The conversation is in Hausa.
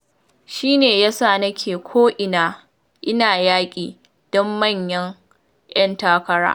“Shi ne ya sa nake ko’ina ina yaƙi don manyan ‘yan takara.”